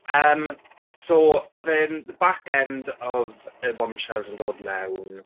Yym so oedd e'n the back end of y bombshells yn dod mewn.